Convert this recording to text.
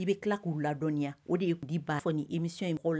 I bɛ tila k'u ladɔnniya o de ye di ba imisɔn in la